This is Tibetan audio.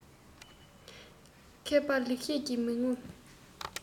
མཁས པ ལེགས བཤད ཀྱིས མི ངོམས